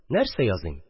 Нәрсә языйм